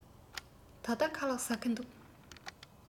ད ལྟ ཁ ལག ཟ གི འདུག